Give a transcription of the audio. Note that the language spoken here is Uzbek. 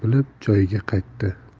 bilib joyiga qaytdi